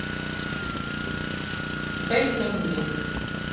дайте мне